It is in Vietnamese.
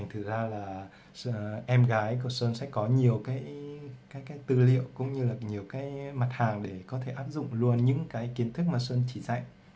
em gái sơn sẽ có nhiều tư liệu mặt hàng để áp dụng những kiến thức sơn chỉ dạy